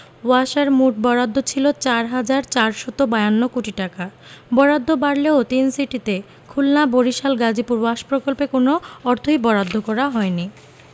ওয়াসার মোট বরাদ্দ ছিল ৪ হাজার ৪৫২ কোটি টাকা বরাদ্দ বাড়লেও তিন সিটিতে খুলনা বরিশাল গাজীপুর ওয়াশ প্রকল্পে কোনো অর্থই বরাদ্দ করা হয়নি